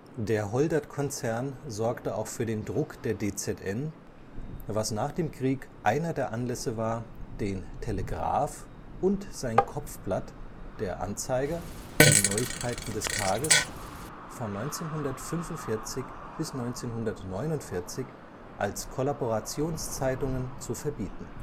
Der Holdert-Konzern sorgte auch für den Druck der DZN, was nach dem Krieg einer der Anlässe war, den Telegraaf und sein Kopfblatt De Courant/Het Nieuws van den Dag von 1945 bis 1949 als Kollaborationszeitungen zu verbieten